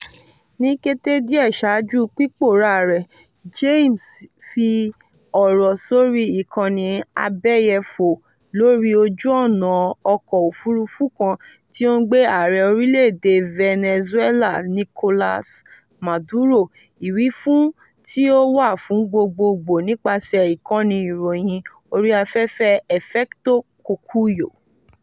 Ní kété díẹ̀ ṣáájú pípòórá rẹ̀, Jaimes fi ọ̀rọ̀ sórí ìkànnì abẹ́yẹfò lórí ojú ọ̀nà ọkọ̀ òfurufú kan tí ó ń gbé Ààrẹ orílẹ̀ èdè Venezuela Nicolas Maduro, ìwífún tí ó wà fún gbogbogbò nípasẹ̀ ìkànnì ìròyìn orí afẹ́fẹ́ Efecto Cocuyo.